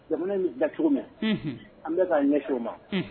Jamana in bi gilan cogo min an Unhun an bɛɛ kan ɲɛsin o ma